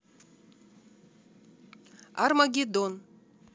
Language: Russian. armageddon